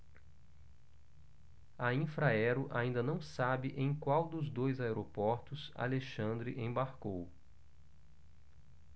a infraero ainda não sabe em qual dos dois aeroportos alexandre embarcou